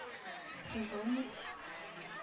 Крыжовник